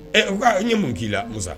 U k' ne ye mun k'i la musa